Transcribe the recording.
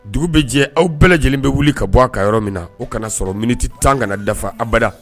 Dugu bi jɛ aw bɛɛ lajɛlen be wuli ka bɔ a kan yɔrɔ min na o kana sɔrɔ minute 10 kana dafa abada